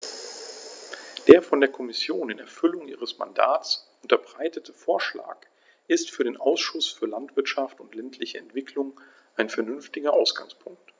Der von der Kommission in Erfüllung ihres Mandats unterbreitete Vorschlag ist für den Ausschuss für Landwirtschaft und ländliche Entwicklung ein vernünftiger Ausgangspunkt.